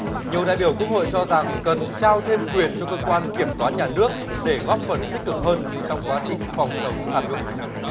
nhiều đại biểu quốc hội cho rằng cần trao thêm quyền cho cơ quan kiểm toán nhà nước để góp phần tích cực hơn trong quá trình phòng chống tham nhũng